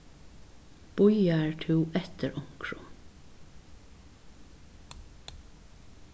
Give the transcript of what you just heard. bíðar tú eftir onkrum